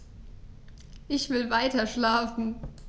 Ich will weiterschlafen.